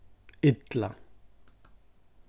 illa